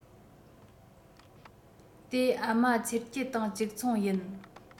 དེ ཨ མ ཚེ སྐྱིད དང གཅིག མཚུངས ཡིན